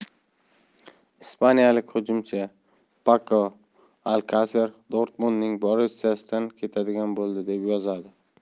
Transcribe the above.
ispaniyalik hujumchi pako alkaser dortmundning borussiya sidan ketadigan bo'ldi deb yozadi